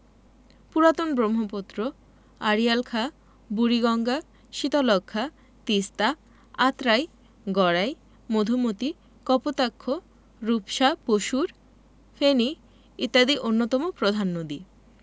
পুরাতন ব্রহ্মপুত্র আড়িয়াল খাঁ বুড়িগঙ্গা শীতলক্ষ্যা তিস্তা আত্রাই গড়াই মধুমতি কপোতাক্ষ রূপসা পসুর ফেনী ইত্যাদি অন্যতম প্রধান নদী